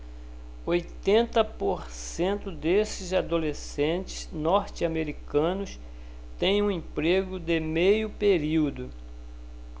oitenta por cento desses adolescentes norte-americanos têm um emprego de meio período